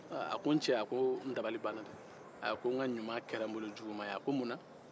aaa a ko n cɛ n dabali banna dɛ a ko n ka ɲuman kɛra n bolo juguma ye a ko mun na